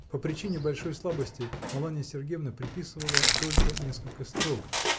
По причине большой слабости Маланья Сергеевна приписывала только несколько строк